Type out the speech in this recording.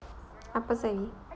а позови